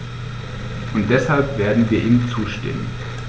Und deshalb werden wir ihm zustimmen.